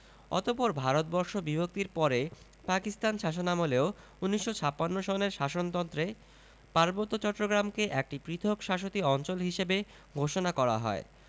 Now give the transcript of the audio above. অতপর ভারতবর্ষ বিভক্তির পরে পাকিস্তান শাসনামলেও ১৯৫৬ সনের শাসনন্ত্রে পার্বত্য চট্টগ্রামকে একটি 'পৃথক শাসতি অঞ্চল' হিসেবে ঘোষণা করা হয়্